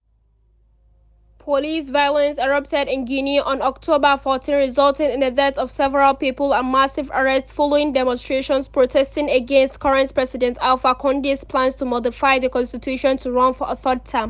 Police violence erupted in Guinea on October 14, resulting in the death of several people and massive arrests, following demonstrations protesting against current president Alpha Condé's plans to modify the constitution to run for a third term.